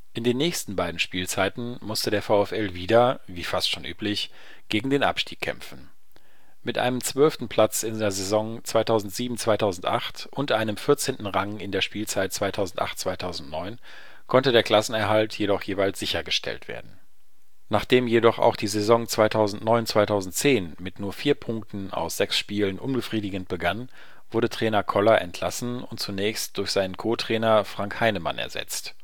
In den nächsten beiden Spielzeiten musste der VfL wieder – wie fast schon üblich – gegen den Abstieg kämpfen. Mit einem 12. Platz in der Saison 2007/08 und einem 14. Rang in der Spielzeit 2008/09 konnte der Klassenerhalt jedoch jeweils sichergestellt werden. Nachdem jedoch auch die Saison 2009/10 mit nur vier Punkten aus sechs Spielen unbefriedigend begann, wurde Trainer Koller entlassen und zunächst durch seinen Co-Trainer Frank Heinemann ersetzt